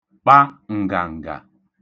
kpa ǹgàǹgà